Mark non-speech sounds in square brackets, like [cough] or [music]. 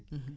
[hesitation] [hesitation]